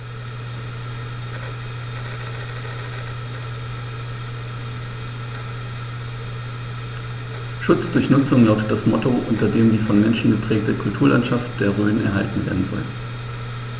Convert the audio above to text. „Schutz durch Nutzung“ lautet das Motto, unter dem die vom Menschen geprägte Kulturlandschaft der Rhön erhalten werden soll.